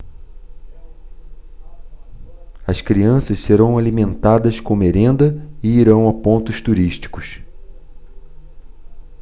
as crianças serão alimentadas com merenda e irão a pontos turísticos